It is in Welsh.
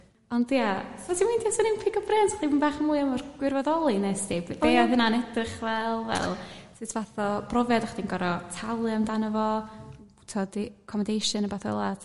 ond ia so ti'n meindio 'swni'n pigo brêns chdi dipyn bach mwy am yr gwirfoddoli nesdi be odd hynna'n edrych fel sut fath o brofiad o chdi'n gor'o talu amdano fo t'od accomidation petha fela